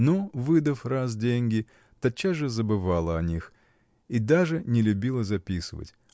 но, выдав раз деньги, тотчас же забывала о них, и даже не любила записывать